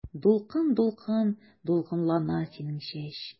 Дулкын-дулкын дулкынлана синең чәч.